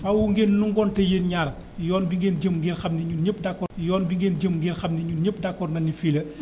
faaw ngeen nangonte yéen ñaar yoon bi ngeen jëm ngeen xam ni ñun ñëpp d' accord yoon bi ngeen jëm ngeen xam ne ñun ñëpp d' accord nañu ne fii la